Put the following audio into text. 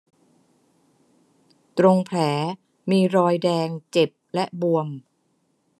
ตรงแผลมีรอยแดงเจ็บและบวม